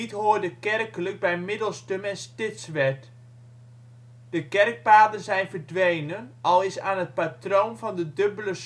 hoorde kerkelijk bij Middelstum en Stitswerd. De kerkpaden zijn verdwenen, al is aan het patroon van de dubbele